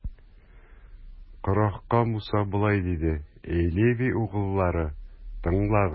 Корахка Муса болай диде: Әй Леви угыллары, тыңлагыз!